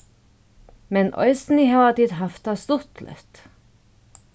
men eisini hava tit havt tað stuttligt